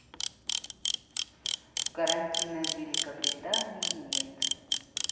карантина в великобритании нет